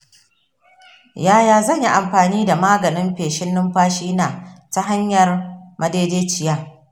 yaya zan yi amfani da maganin feshin numfashi na ta hanya madaidaciya?